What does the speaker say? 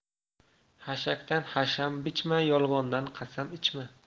xashakdan hasham bichma yolg'ondan qasam ichma